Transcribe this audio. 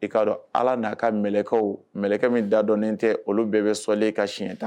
I'a dɔn ala n'a ka mkaw mkɛ min da dɔnnen tɛ olu bɛɛ bɛ sɔlen ka siɲɛ tan